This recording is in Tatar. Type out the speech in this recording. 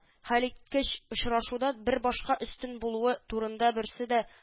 Хәлиткеч очрашуда бер башка өстен булуы турында берсе дә